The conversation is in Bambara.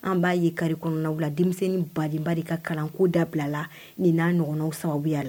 An b'a ye kari kɔnɔnawwula denmisɛnnin baba de ka kalanko dabila la nin n'a ɲɔgɔnw sa u bɛya la